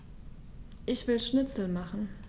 Ich will Schnitzel machen.